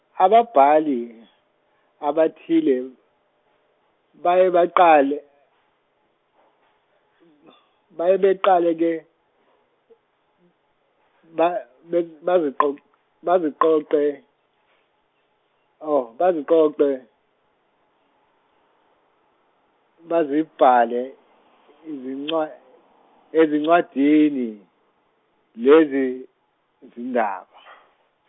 ababhali abathile, baye baqale baye baqale -ke ba- baye- baziqo- baziqoqe, oh baziqoqe, bazibhale ezincwa- ezincwadini lezi izindaba .